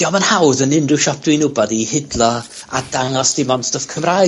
'di o'm yn hawdd yn unryw siop dwi'n wbod i hidlo, a dangos dim ond stwff Cymraeg